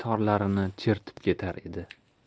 torlarini chertib ketar edi